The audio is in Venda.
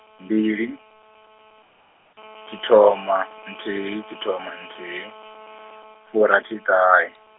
mbili, tshithoma nthihi tshithoma nthihi, furathiṱahe.